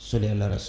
Sɔli Alaras